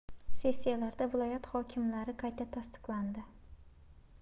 sessiyalarda viloyat hokimlari qayta tasdiqlandi